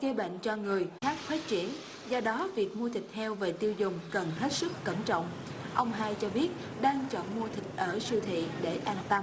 gây bệnh cho người khác phát triển do đó việc mua thịt heo về tiêu dùng cần hết sức cẩn trọng ông hai cho biết đang chọn mua thịt ở siêu thị để an tâm